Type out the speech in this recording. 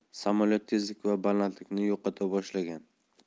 samolyot tezlik va balandlikni yo'qota boshlagan